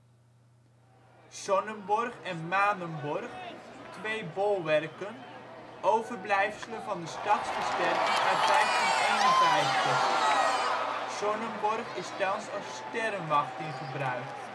Sonnenborgh en Manenborgh, twee bolwerken, overblijfselen van de stadsversterking uit 1551. Sonnenborgh is thans als sterrenwacht in gebruik